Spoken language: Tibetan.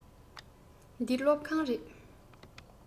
འདི སློབ ཁང རེད